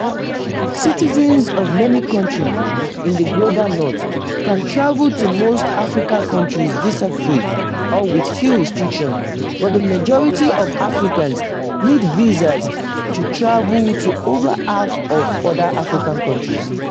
Citizens of many countries in the global North can travel to most Africa countries visa-free, or with few restrictions, but the majority of Africans need visas to travel to over half of the other African countries.